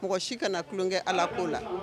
Mɔgɔ si kana na tulon kɛ Ala ko la